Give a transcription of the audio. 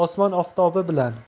osmon oftobi bilan